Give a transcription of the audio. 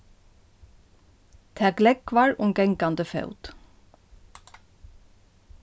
tað glógvar um gangandi fót